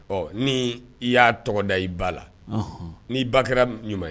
Ɔ ni i y'a tɔgɔ da i ba la n nii ba kɛra ɲuman ye